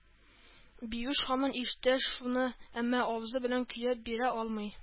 Биюш һаман ишетә шуны, әмма авызы белән көйләп бирә алмый.